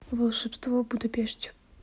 волшебство в будапеште